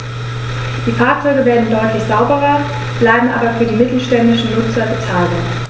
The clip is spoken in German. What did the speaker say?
Die Fahrzeuge werden deutlich sauberer, bleiben aber für die mittelständischen Nutzer bezahlbar.